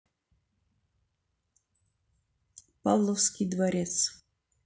павловский дворец